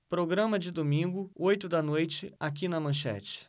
programa de domingo oito da noite aqui na manchete